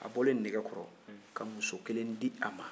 a bɔlen nɛgɛkɔrɔ ka muso kelen di a ma